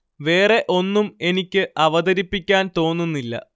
വേറെ ഒന്നും എനിക്ക് അവതരിപ്പിക്കാൻ തോന്നുന്നില്ല